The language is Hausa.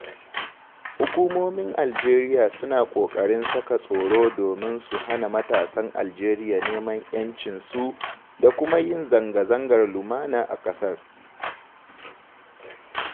Hukumomin Algeria suna ƙoƙarin saka tsoro domin su hana matasan Algeria neman 'yancinsu da kuma yin zangazangar lumana a ƙasar.